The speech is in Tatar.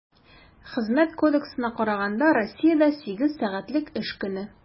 Хезмәт кодексына караганда, Россиядә сигез сәгатьлек эш көне.